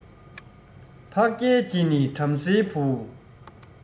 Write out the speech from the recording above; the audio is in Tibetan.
འཕགས རྒྱལ གྱི ནི བྲམ ཟེའི བུ